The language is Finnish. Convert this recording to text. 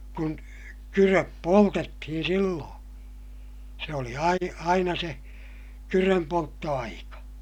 kun kydöt poltettiin silloin se oli - aina se kydönpolttoaika